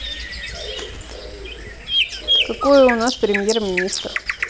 какой у нас премьер министр